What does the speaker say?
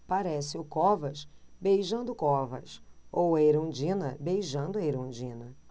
parece o covas beijando o covas ou a erundina beijando a erundina